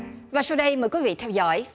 và sau đây mời quý vị theo dõi